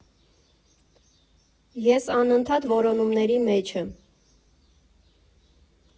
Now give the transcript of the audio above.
Ես անընդհատ որոնումների մեջ եմ։